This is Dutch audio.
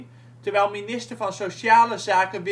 terwijl minister van Sociale Zaken